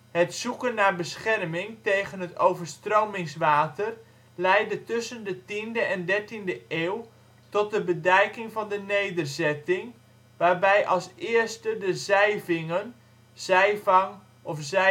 Het zoeken naar bescherming tegen het overstromingswater leidde tussen de tiende en dertiende eeuw tot de bedijking van de nederzetting, waarbij als eerste de Zeivingen (zijvang of zijving